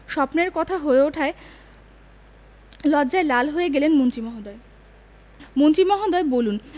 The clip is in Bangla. স্বপ্নের কথা হয়ে ওঠায় লজ্জায় লাল হয়ে গেলেন মন্ত্রী মহোদয় মন্ত্রী মহোদয় বলুন